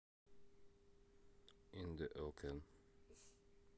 in the ocean